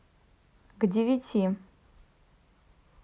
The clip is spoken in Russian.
к девять